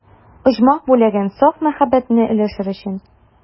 Оҗмах бүләген, саф мәхәббәтне өләшер өчен.